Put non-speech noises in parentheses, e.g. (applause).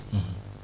(hesitation) (hesitation)